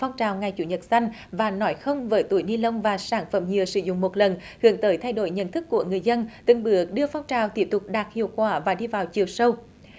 phong trào ngày chủ nhật xanh và nói không với túi ni lông và sản phẩm nhựa sử dụng một lần hướng tới thay đổi nhận thức của người dân từng bước đưa phong trào tiếp tục đạt hiệu quả và đi vào chiều sâu